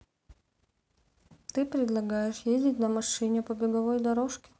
ты предлагаешь ездить на машине по беговой дорожке